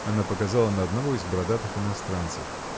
Она показала на одного из бородатых иностранцев.